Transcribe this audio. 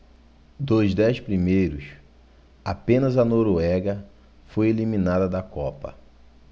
dos dez primeiros apenas a noruega foi eliminada da copa